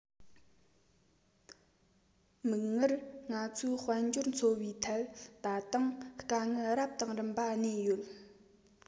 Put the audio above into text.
མིག སྔར ང ཚོའི དཔལ འབྱོར འཚོ བའི ཐད ད དུང དཀའ ངལ རབ དང རིམ པ གནས ཡོད